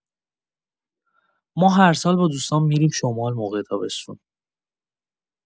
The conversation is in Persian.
ما هر سال با دوستام می‌ریم شمال موقع تابستون.